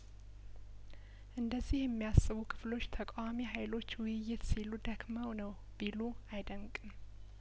እንደዚሀ የሚያስቡ ክፍሎች ተቃዋሚ ሀይሎች ውይይት ሲሉ ደክመው ነው ቢሉ አይደንቅም